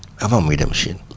avant muy dem Chine